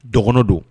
Dɔgɔnin don